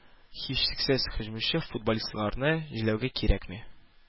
Һичшиксез һөҗүмче футболистларны жәллэүгә кирәкми.